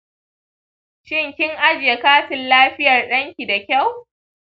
shin kin ajiye katin lafiyar danki da kyau?